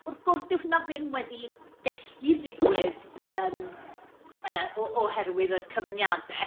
Wrth gwrs, dyw hynna ddim wedi gallu digwydd yym yy o- oherwydd y cyfyngiadau.